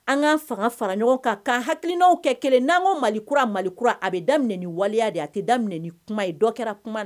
An k'an fanga fara ɲɔgɔn kan k'an hakilinaw kɛ kelen n'an ko malikura malikura a bɛ daminɛ ni waleya de ye a tɛ daminɛ ni kuma ye kɛra